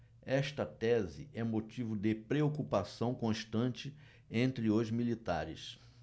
esta tese é motivo de preocupação constante entre os militares